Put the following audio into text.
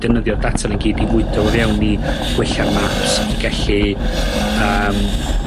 defnyddio'r data 'na i gyd i fwydo fo fewn i gwella'r maps i gellu yym